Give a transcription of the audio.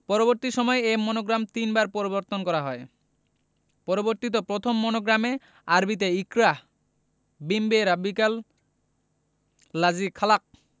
পরবর্তী সময়ে এ মনোগ্রাম তিনবার পরিবর্তন করা হয় পরিবর্তিত প্রথম মনোগ্রামে আরবিতে ইকরা বিস্মে রাবিবকাল লাজি খালাক্ক